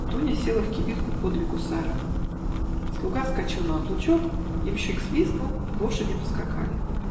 Дуня села в кибитку подле гусара, слуга вскочил на облучок, ямщик свистнул, и лошади поскакали.